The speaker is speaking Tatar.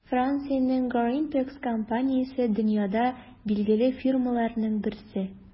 Франциянең Gorimpex компаниясе - дөньяда билгеле фирмаларның берсе.